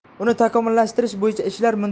uni takomillashtirish bo'yicha ishlar